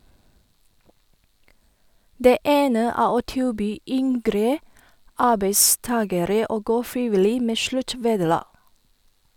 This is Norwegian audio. Det ene er å tilby yngre arbeidstagere å gå frivillig med sluttvederlag.